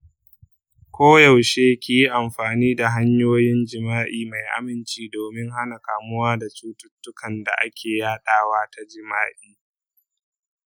koyaushe ki yi amfani da hanyoyin jima'i mai aminci domin hana kamuwa da cututtukan da ake yadawa ta jima'i.